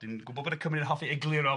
Dwi'n gwybod bod y Cymry yn hoffi egluro